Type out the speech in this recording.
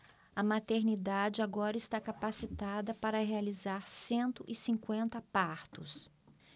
a maternidade agora está capacitada para realizar cento e cinquenta partos